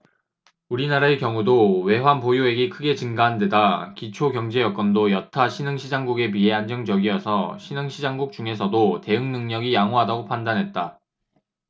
우리나라의 경우도 외환보유액이 크게 증가한 데다 기초경제여건도 여타 신흥시장국에 비해 안정적이어서 신흥시장국 중에서도 대응능력이 양호하다고 판단했다